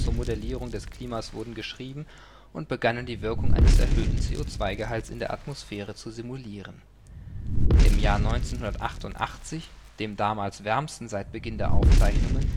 Modellierung des Klimas wurden geschrieben und begannen die Wirkung eines erhöhten CO2-Gehalts in der Atmosphäre zu simulieren. Im Jahr 1988, dem damals wärmsten seit Beginn der Aufzeichnungen